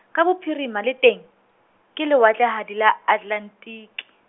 ka bophirima le teng, ke lewatlehadi la Atlelantiki.